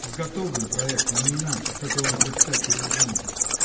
С готовым проектом -- не иначе -- хотел он предстать перед Джеммой.